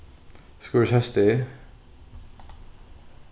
skírhósdegi